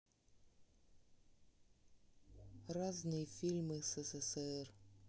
разные фильмы ссср